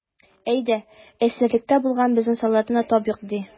Әйдә, әсирлектә булган безнең солдатны да табыйк, ди.